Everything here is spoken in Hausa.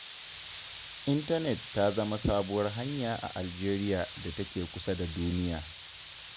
Intanet ta zama sabuwar hanya a Algeria da take kusa da duniya.